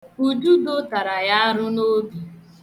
Ududo tara ya arụ n' obi.